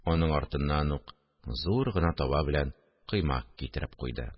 Аның артыннан ук зур гына таба белән коймак китереп куйды